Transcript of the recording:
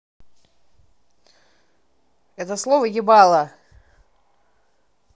это слово ебало